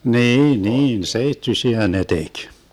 niin niin seittyisiä ne teki